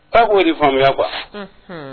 Aw k'o de faamuyaya wa